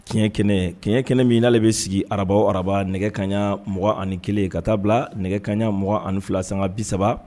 Tiɲɛɲɛ kɛnɛɲɛ kɛnɛ min na de bɛ sigi ara araba nɛgɛ kaɲa mɔgɔ ani kelen ka taaa bila nɛgɛ kaɲa mɔgɔ ani fila sanga bi saba